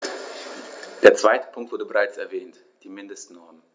Der zweite Punkt wurde bereits erwähnt: die Mindestnormen.